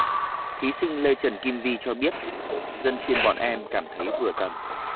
thí sinh lê trần kim vi cho biết dân chuyên bọn em cảm thấy vừa tầm